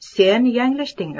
sen yanglishding